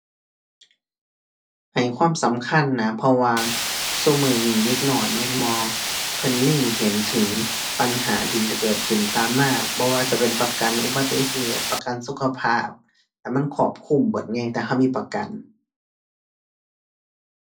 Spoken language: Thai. ให้ความสำคัญนะ เพราะว่าซุมื้อนี้เด็กน้อยแม่นบ่ เพิ่นเล็งเห็นถึงปัญหาที่จะเกิดขึ้นตามมา บ่ว่าจะเป็นประกันอุบัติเหตุ ประกันสุขภาพ อันมันครอบคลุมเบิดไง ถ้าเรามีประกัน